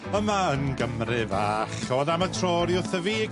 yma yn Gymru fach, on' am y tro oddi wrtho fi...